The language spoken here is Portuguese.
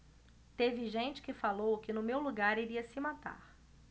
teve gente que falou que no meu lugar iria se matar